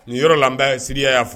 Ni yɔrɔ la bɛsiya'a fɔ